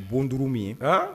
Ye bon duuru min ye